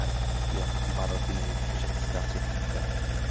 ag ie yn barod i neud prosiecta treuthoda a ballu.